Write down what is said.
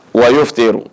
Wayo tɛ yen